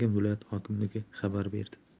viloyati hokimligi xabar berdi